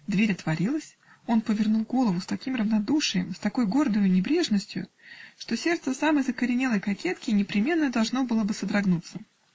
Дверь отворилась, он повернул голову с таким равнодушием, с такою гордою небрежностию, что сердце самой закоренелой кокетки непременно должно было бы содрогнуться.